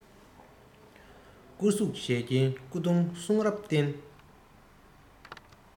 སྐུ གཟུགས ཞལ སྐྱིན སྐུ གདུང གསུང རབ རྟེན